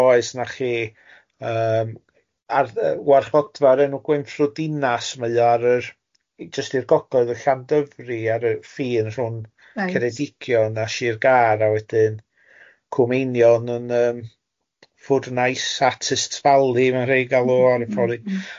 Oes, na chi yym ardd- yy warchodfa o'r enw Gwenffro Dinas mae o ar yr jyst i'r gogledd yn Llandyfri ar y ffin rhwng... Reit. ...Ceredigion a Shir Gaer, a wedyn Cwm Einion yn yym ffwrnais artist valley mae'n rhei galw o ar y pori.